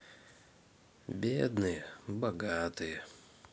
бедные богатые